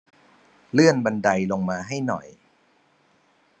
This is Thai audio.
เลื่อนบันไดลงมาให้หน่อย